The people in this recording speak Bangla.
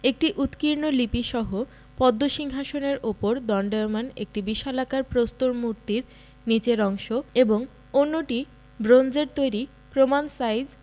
একটি উৎকীর্ণ লিপিসহ পদ্ম সিংহাসনের ওপর দণ্ডায়মান একটি বিশালাকার প্রস্তর মূর্তির নিচের অংশ এবং অন্যটি ব্রোঞ্জের তৈরী প্রমাণ সাইজ